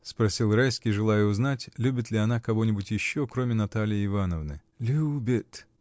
— спросил Райский, желая узнать, любит ли она кого-нибудь еще, кроме Натальи Ивановны. — Любит!